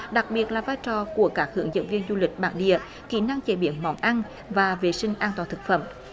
đặc biệt là vai trò của các hướng dẫn viên du lịch bản địa kỹ năng chế biến món ăn và vệ sinh an toàn thực phẩm